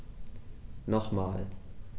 Nochmal.